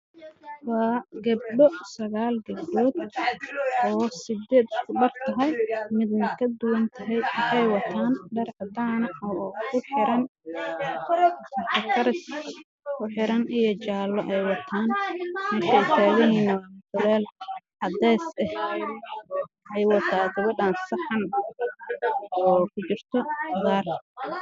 Waa sagaal gabdhood waxay wataan dhar cadaan ah